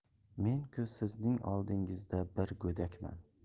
men ku sizning oldingizda bir go'dakman